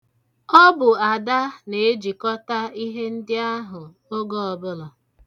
Ọ bụ Ada na-ejikọta ihe ndị ahụ oge ọbụla.